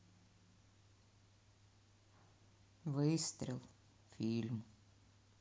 выстрел фильм